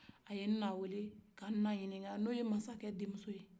a ye na weele ka na ɲininka n'o ye masakɛ denmuso ye